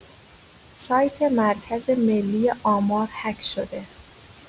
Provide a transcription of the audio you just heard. سایت مرکز ملی آمار هک شده!